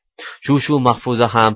shu shu mahfuza ham